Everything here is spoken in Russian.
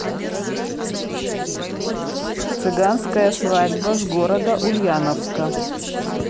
цыганская свадьба с города ульяновска